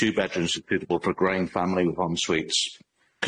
two bedrooms were suitable for a grand family with en- suites.